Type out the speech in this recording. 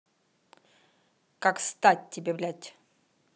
как стать тебе блядь